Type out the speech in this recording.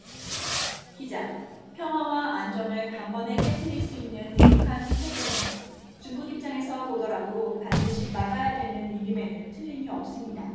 기자 평화와 안정을 단번에 깨뜨릴 수 있는 북한 핵은 중국 입장에서 보더라도 반드시 막아야 되는 일임에는 틀림이 없습니다